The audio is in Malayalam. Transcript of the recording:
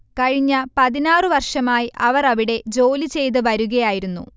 കഴിഞ്ഞ പതിനാറുവർഷമായ് അവർഅവിടെ ജോലി ചെയ്ത് വരുകയായിരുന്നു